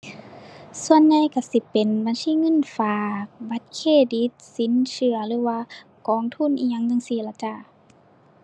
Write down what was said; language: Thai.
ส่วนใหญ่ก็สิเป็นบัญชีเงินฝาก บัตรเครดิต สินเชื่อ หรือว่ากองทุนอิหยังจั่งซี้ล่ะจ้า